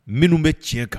Minnu bɛ tiɲɛ kan